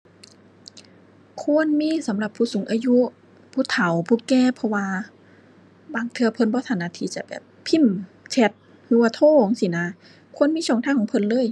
ควรมีสำหรับผู้สูงอายุ ผู้เฒ่า ผู้แก่ เพราะว่าบางเทื่อเพิ่นบ่ถนัดที่จะแบบ พิมพ์ แชต หรือว่าโทรจั่งซี้น่ะ ควรมีช่องทางของเพิ่นเลย